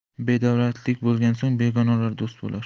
badavlatlik bo'lgan so'ng begonalar do'st bo'lar